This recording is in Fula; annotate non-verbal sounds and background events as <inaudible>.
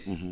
<hesitation> <hesitation>